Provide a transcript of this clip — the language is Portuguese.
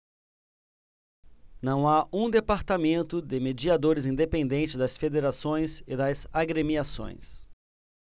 não há um departamento de mediadores independente das federações e das agremiações